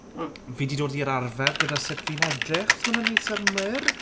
Fi 'di dod i'r arfer gyda sut fi'n edrych, os ma hwnna'n wneud synnwyr?